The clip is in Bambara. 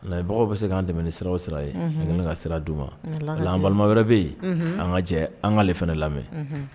Lamɛbagaw bɛ se k'an dɛmɛ ni sira o sira ye unhun an ŋele ka sira d'u ma n'Ala ka diyɛn ye o la an balima wɛrɛ be ye unhun an ŋa jɛ an ŋ'ale fɛnɛ lamɛ unhun